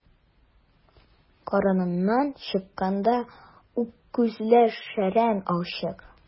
Карыныннан чыкканда ук күзләр шәрран ачык.